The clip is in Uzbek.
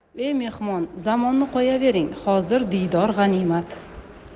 e mehmon zamonni qo'yavering hozir diydor g'animat